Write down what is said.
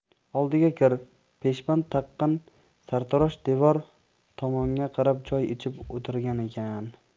oldiga kir peshband taqqan sartarosh devor tomonga qarab choy ichib o'tirgan ekan